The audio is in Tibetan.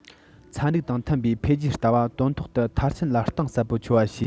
ཚན རིག དང མཐུན པའི འཕེལ རྒྱས ལྟ བ དོན ཐོག ཏུ མཐར ཕྱིན ལ གཏིང ཟབ པོ འཁྱོལ བ བྱས